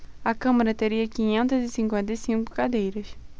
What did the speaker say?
a câmara teria quinhentas e cinquenta e cinco cadeiras